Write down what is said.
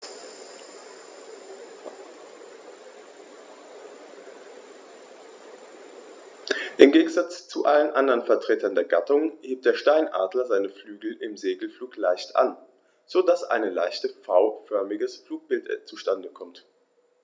Im Gegensatz zu allen anderen Vertretern der Gattung hebt der Steinadler seine Flügel im Segelflug leicht an, so dass ein leicht V-förmiges Flugbild zustande kommt.